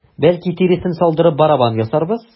Бәлки, тиресен салдырып, барабан ясарбыз?